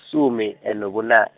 -sumi, e- nobuna-.